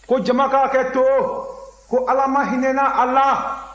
ko jama ka hakɛ to ko ala ma hinɛna a la